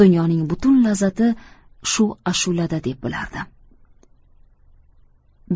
dunyoning butun lazzati shu ashulada deb bilardim